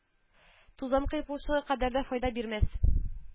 Тузан кыйпылчыгы кадәр дә файда бирмәс